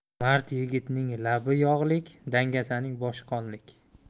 mard yigitning labi yog'lik dangasaning boshi qonlik